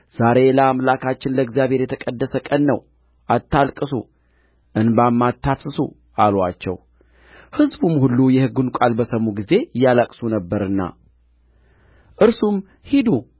ዛሬ ለአምላካችን ለእግዚአብሔር የተቀደሰ ቀን ነው አታልቅሱ እንባም አታፍስሱ አሉአቸው ሕዝቡ ሁሉ የሕጉን ቃል በሰሙ ጊዜ ያለቅሱ ነበርና እርሱም ሂዱ